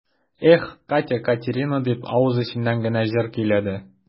Эх, Катя-Катерина дип, авыз эченнән генә җыр көйләде.